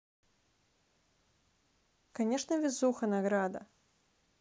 конечно везуха награда